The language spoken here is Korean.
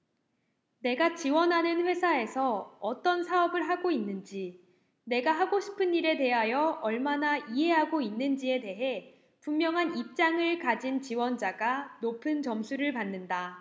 내가 지원하는 회사에서 어떤 사업을 하고 있는지 내가 하고 싶은 일에 대하여 얼마나 이해하고 있는지에 대해 분명한 입장을 가진 지원자가 높은 점수를 받는다